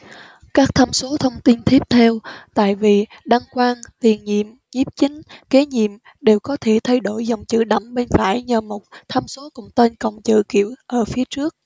các tham số thông tin tiếp theo tại vị đăng quang tiền nhiệm nhiếp chính kế nhiệm đều có thể thay đổi dòng chữ đậm bên phải nhờ một tham số cùng tên cộng chữ kiểu ở phía trước